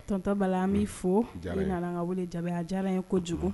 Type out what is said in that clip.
Tonton Bala an b'i fo, i nan'an ka wele jaabi o diyara an ye kojugu